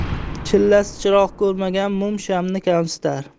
chillasi chiroq ko'rmagan mum shamni kamsitar